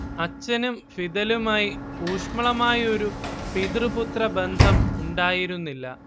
അച്ഛനും ഫിദലുമായി ഊഷ്മളമായ ഒരു പിതൃ പുത്രബന്ധം ഉണ്ടായിരുന്നില്ല